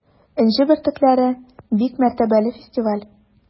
“энҗе бөртекләре” - бик мәртәбәле фестиваль.